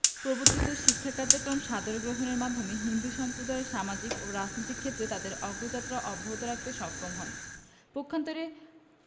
প্রবর্তিত শিক্ষা কার্যক্রম সাদরে গ্রহণের মাধ্যমে হিন্দু সম্প্রদায় সামাজিক ও রাজনৈতিক ক্ষেত্রে তাদের অগ্রযাত্রা অব্যাহত রাখতে সক্ষম হয় পক্ষান্তরে